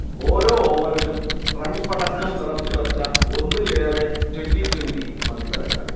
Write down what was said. ഓരോ ഓവറിലും റൺപടക്കം നിറച്ചു വച്ച ഒന്നിലേറെ ട്വന്റി-ട്വന്റി മൽസരങ്ങൾ